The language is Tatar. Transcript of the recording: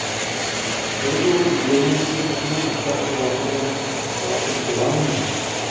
Берьюлы 20-30 кешене ихлас ярату белән яратып буламыни?